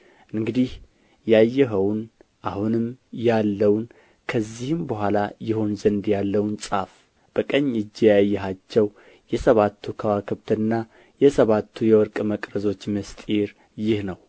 እንግዲህ ያየኸውን አሁንም ያለውን ከዚህም በኋላ ይሆን ዘንድ ያለውን ጻፍ በቀኝ እጄ ያየሃቸው የሰባቱ ከዋክብትና የሰባቱ የወርቅ መቅረዞች ምሥጢር ይህ ነው